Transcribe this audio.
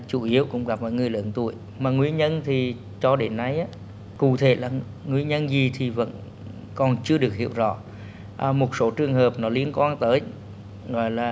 chủ yếu cũng gặp ở người lớn tuổi mà nguyên nhân thì cho đến nay á cụ thể là nguyên nhân gì thì vẫn còn chưa được hiểu rõ một số trường hợp nó liên quan tới gọi là